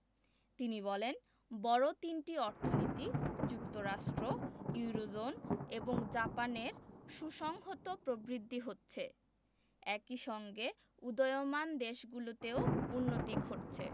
তিনি বলেন বড় তিনটি অর্থনীতি যুক্তরাষ্ট্র ইউরোজোন এবং জাপানের সুসংহত প্রবৃদ্ধি হচ্ছে একই সঙ্গে উদোয়মান দেশগুলোতেও উন্নতি ঘটছে